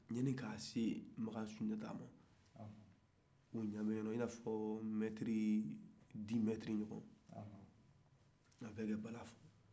sani k'a se magan sunjata ma misali la i n'a fɔ mɛtiri dix metre ɲɔgɔn a bɛ ka bala fɔ